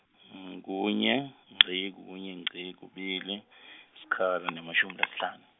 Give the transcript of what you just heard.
kunye, ngci, kunye, ngci, kubili , sikhala, nemashumi lasihlanu.